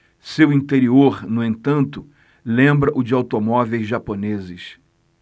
seu interior no entanto lembra o de automóveis japoneses